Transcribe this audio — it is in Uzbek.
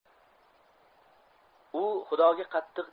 u xudoga qattiq ishongan odam edi